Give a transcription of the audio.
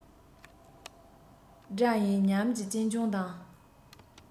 སྒྲ ཡིན ཉམས ཀྱིས གཅེན གཅུང དང